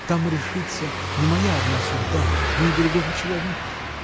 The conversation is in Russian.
Там решится не моя одна судьба, но и другого человека.